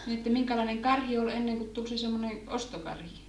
niin että minkälainen karhi oli ennen kuin tuli se semmoinen ostokarhi